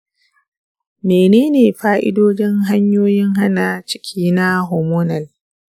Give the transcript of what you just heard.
menene fa’idodin hanyoyin hana ciki na hormonal?